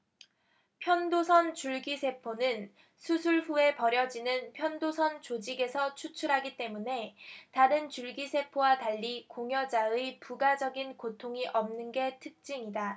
편도선 줄기세포는 수술 후에 버려지는 편도선 조직에서 추출하기 때문에 다른 줄기세포와 달리 공여자의 부가적인 고통이 없는 게 특징이다